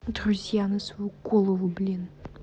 друзья на свою голову блин